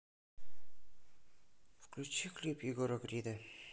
включи клип егора крида